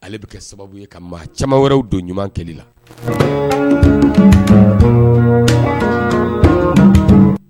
Ale bɛ kɛ sababu ye ka maa ca wɛrɛw don ɲuman kelen la